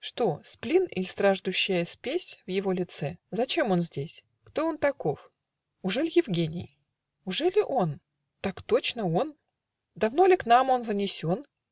Что, сплин иль страждущая спесь В его лице? Зачем он здесь? Кто он таков? Ужель Евгений? Ужели он?. Так, точно он. - Давно ли к нам он занесен?